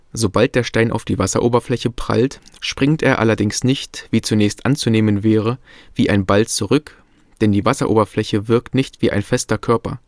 Sobald der Stein auf die Wasseroberfläche aufprallt, springt er allerdings nicht, wie zunächst anzunehmen wäre, wie ein Ball zurück, denn die Wasseroberfläche wirkt nicht wie ein fester Körper